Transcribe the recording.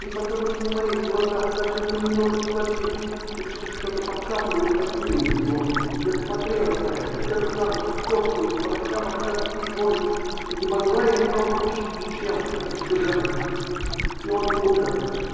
и потом он на моих глазах начал понемногу слабеть, точно что-то по капле уходило из него: я смотрела на это, терзалась и корчилась по ночам от тоски и боли и не могла ему помочь-- ничем, как чужая и он умер.